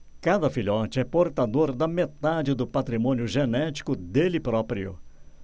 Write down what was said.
cada filhote é portador da metade do patrimônio genético dele próprio